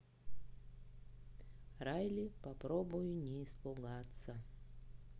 райли попробуй не испугаться